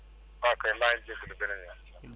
waaw kay maa ngi jéggalu beneen yoon incha allah